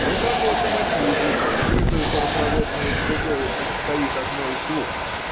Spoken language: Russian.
Но как локомотиву с открытою паропроводную трубою предстоит одно из двух